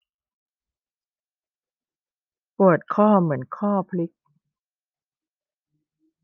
ปวดข้อเหมือนข้อพลิก